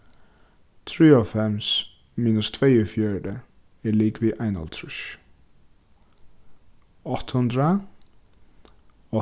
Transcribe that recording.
trýoghálvfems minus tveyogfjøruti er ligvið einoghálvtrýss átta hundrað